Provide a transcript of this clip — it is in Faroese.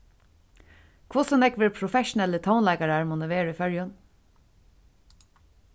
hvussu nógvir professionellir tónleikarar munnu vera í føroyum